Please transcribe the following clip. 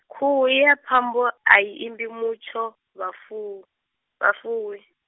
khuhu ya phambo, ayi imbi mutsho, vhafu- vhafuwi.